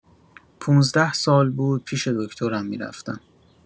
پونزده سال بود پیش دکترم می‌رفتم.